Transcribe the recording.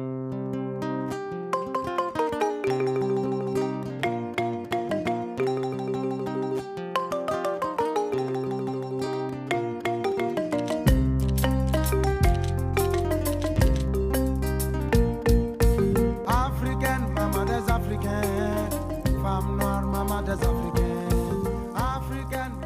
Fafekɛnɛ masafe kɛ faamakuma ma se kɛ a